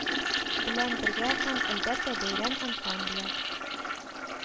Белән бергә һәм, әлбәттә, бәйрәм ансамбле